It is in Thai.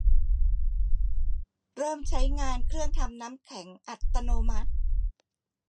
เริ่มใช้งานเครื่องทำน้ำแข็งอัตโนมัติ